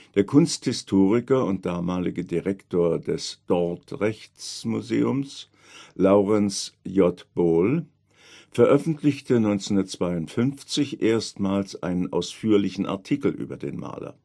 Der Kunsthistoriker und damalige Direktor des Dordrechts Museum, Laurens J. Bol, veröffentlichte 1952 erstmals einen ausführlichen Artikel über den Maler